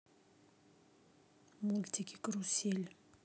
мультики карусель